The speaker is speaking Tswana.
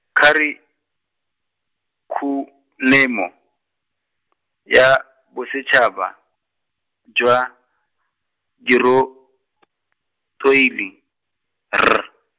kharikhulamo, ya, bosetshaba, jwa diro- , R.